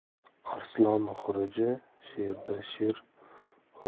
arslon xuruji sherda